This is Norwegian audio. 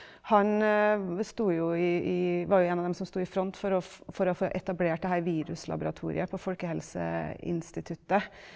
han sto jo i i var jo en av dem som sto i front for å for å få etablert det her viruslaboratoriet på Folkehelseinstituttet.